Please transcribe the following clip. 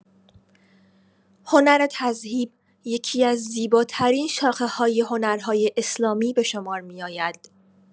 هنر تذهیب یکی‌از زیباترین شاخه‌های هنرهای اسلامی به شمار می‌آید.